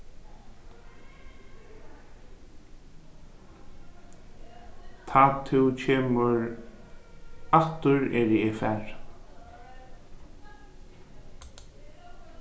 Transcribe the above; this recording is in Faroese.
tá tú kemur aftur eri eg farin